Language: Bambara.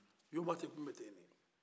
yomati tun bɛ te de